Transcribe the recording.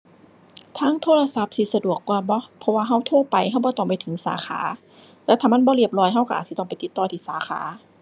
ทางโทรศัพท์สิสะดวกกว่าบ่ เพราะว่าเราโทรไป เราบ่ต้องไปถึงสาขา แต่ถ้ามันบ่เรียบร้อยเราเราอาจสิต้องไปติดต่อที่สาขา